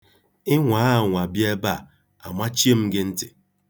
Ị nwaa anwa bịa ebe a, amachie m gị ntị.